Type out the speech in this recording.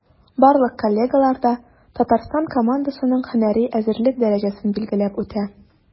Барлык коллегалар да Татарстан командасының һөнәри әзерлек дәрәҗәсен билгеләп үтә.